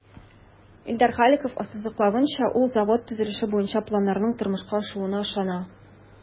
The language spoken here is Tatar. Илдар Халиков ассызыклавынча, ул завод төзелеше буенча планнарның тормышка ашуына ышана.